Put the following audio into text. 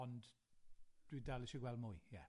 Ond dwi dal isie gweld mwy, ie.